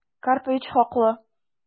Карпович хаклы...